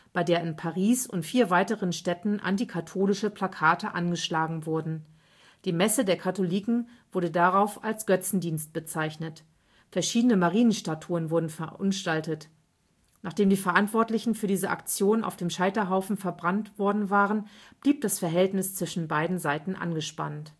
bei der in Paris und vier weiteren Städten antikatholische Plakate angeschlagen wurden. Die Messe der Katholiken wurde darauf als Götzendienst bezeichnet. Verschiedene Marienstatuen wurden verunstaltet. Nachdem die Verantwortlichen für diese Aktion auf den Scheiterhaufen gebracht worden waren, blieb das Verhältnis zwischen beiden Seiten angespannt